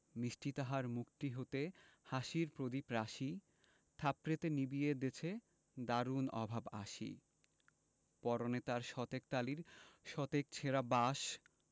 মিষ্টি তাহার মুখটি হতে হাসির প্রদীপ রাশি থাপড়েতে নিবিয়ে দেছে দারুণ অভাব আসি পরনে তার শতেক তালির শতেক ছেঁড়া বাস